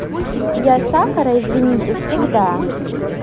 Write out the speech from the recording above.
я сахара извините всегда